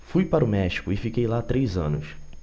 fui para o méxico e fiquei lá três anos